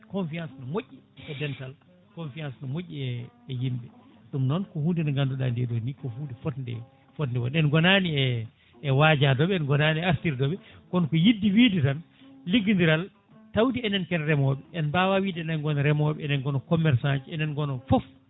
confiance ne moƴƴi e dental confiance ne moƴƴi e e yimɓe ɗum noon ko hunde nde ganduɗa nde ɗo ni ko hunde fonde fonde wonde en gonani e e wajadeɓe en gonani e artirdeɓe kono yidde wiide tan liggodiral tawde enen ken remoɓe en mbawa wiide enen goona remoɓe enen goona commerçant ji enen goona foof